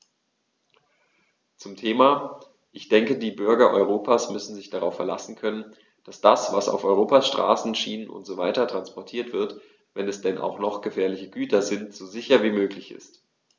Zum Thema: Ich denke, die Bürger Europas müssen sich darauf verlassen können, dass das, was auf Europas Straßen, Schienen usw. transportiert wird, wenn es denn auch noch gefährliche Güter sind, so sicher wie möglich ist.